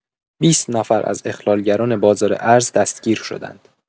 ۲۰ نفر از اخلال‌گران بازار ارز دستگیر شدند.